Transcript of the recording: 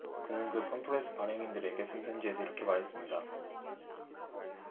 그는 그 팜플렛의 발행인들에게 쓴 편지에서 이렇게 말했습니다